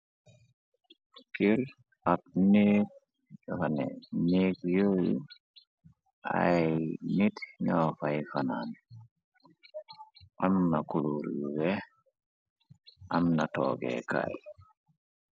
Kerr ak neek fane néek yooyu ay nit ñoo fay fanaan am na kuluur yu wex amna toogee kaay.